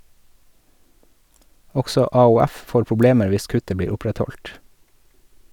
Også AOF får problemer hvis kuttet blir opprettholdt.